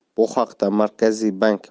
bu haqda markaziy bank